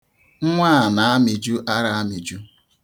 Nwa a na-amịju ara amịju.